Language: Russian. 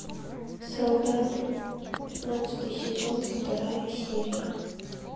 солдаты пятнадцатый сезон вторая серия